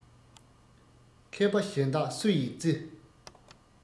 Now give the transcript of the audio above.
མཁས པ གཞན དག སུ ཡིས བརྩི